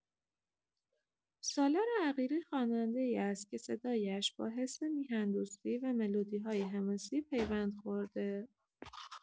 سالار عقیلی خواننده‌ای است که صدایش با حس میهن‌دوستی و ملودی‌های حماسی پیوند خورده.